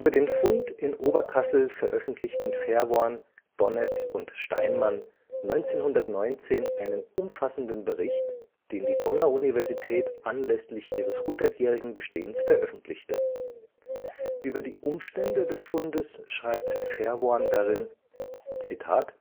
den Fund in Oberkassel veröffentlichten Verworn, Bonnet und Steinmann 1919 einen umfassenden Bericht, den die Bonner Universität anlässlich ihres hundertjährigen Bestehens veröffentlichte. Über die Umstände des Fundes schreibt Verworn darin: „ Mit